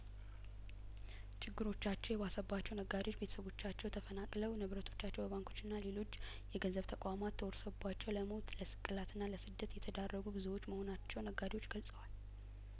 ችግሮቻቸው የባሰባቸው ነጋዴዎች ቤተሰቦቻቸው ተፈናቅለው ንብረቶቻቸው በባንኮችና ሌሎች የገንዘብ ተቋማት ተወርሶባቸው ለሞት ለስቅላትና ለስደት የተዳረጉ ብዙዎች መሆናቸው ነጋዴዎች ገልጸዋል